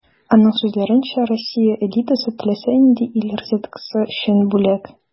Аның сүзләренчә, Россия элитасы - теләсә нинди ил разведкасы өчен бүләк.